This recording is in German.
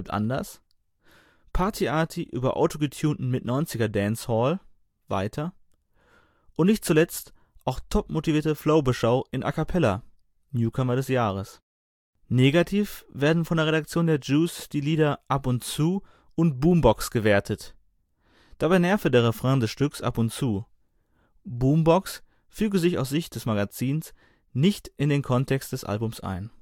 anders), Party-Arty über autogetuneten Mittneunziger Dancehall (Weiter). Und nicht zuletzt auch topmotivierte Flowbeschau in A cappella (Newcomer des Jahres). “Negativ werden von der Redaktion der Juice die Lieder Ab und zu und Boombox gewertet. Dabei nerve der Refrain des Stücks Ab und zu. Boombox füge sich, aus Sicht des Magazins, nicht in den „ Kontext des Albums “ein